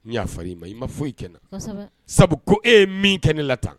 N y'a fa i ma i ma foyi i kɛnɛ sabu ko e ye min kɛ ne la tan